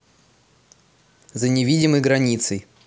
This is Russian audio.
за невидимой границей